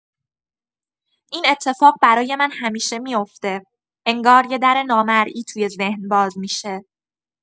این اتفاق برای من همیشه می‌افته، انگار یه در نامرئی توی ذهن باز می‌شه.